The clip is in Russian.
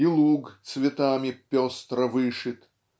и луг цветами пестро вышит